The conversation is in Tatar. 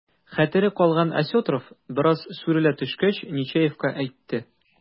Хәтере калган Осетров, бераз сүрелә төшкәч, Нечаевка әйтте: